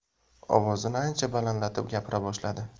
ovozini ancha balandlatib gapira boshladi